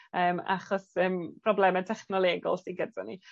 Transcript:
Yym achos yym probleme technolegol sy gyda ni.